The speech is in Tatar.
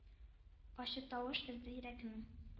Ачы тавыш өзде йөрәкне: